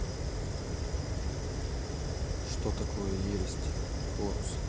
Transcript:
что такое ересь horus